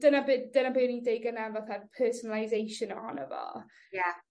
dyna be' dyna be' o'n i'n deu' gynne efo peth personalisation ohono fo. Ie.